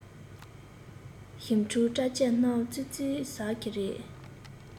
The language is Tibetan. ཞིམ ཕྲུག པྲ ཆལ རྣམས ཙི ཙིས ཟ གི རེད